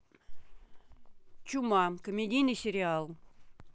чума комедийный сериал